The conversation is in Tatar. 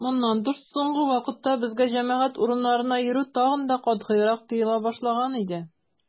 Моннан тыш, соңгы вакытта безгә җәмәгать урыннарына йөрү тагын да катгыйрак тыела башлаган иде.